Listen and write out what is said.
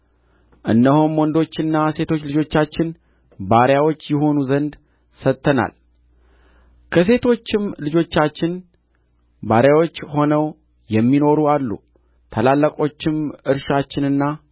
እነሆም ወንዶችና ሴቶች ልጆቻችን ባሪያዎች ይሆኑ ዘንድ ሰጥተናል ከሴቶችም ልጆቻችን ባሪያዎች ሆነው የሚኖሩ አሉ ታላላቆችም እርሻችንና